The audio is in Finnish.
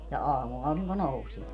ja aamuaurinko nousee